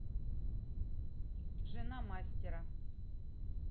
жена мастера